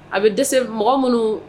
A bɛ de mɔgɔ minnu